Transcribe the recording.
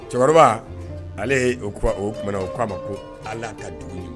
Cɛkɔrɔba ale o tuma o k'a ma ko ala ka dugu